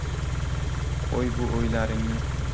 qo'y bu o'ylaringni